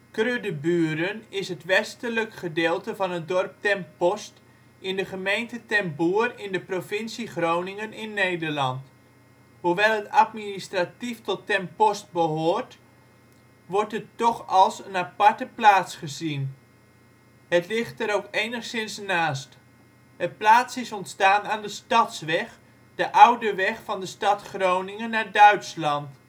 Kröddeburen is het westelijk gedeelte van het dorp Ten Post in de gemeente Ten Boer in de provincie Groningen (Nederland). Hoewel het administatief tot Ten Post behoort, wordt het toch als een aparte plaats gezien. Het ligt er ook enigszins naast. Het plaatsje is ontstaan aan de Stadsweg, de oude weg van de stad Groningen naar Duitsland